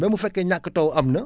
même bu fekkee énàkk taw am na